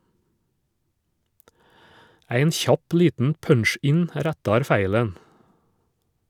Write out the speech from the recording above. Ein kjapp liten punch-in rettar feilen.